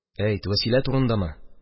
Әйт, Вәсилә турындамы?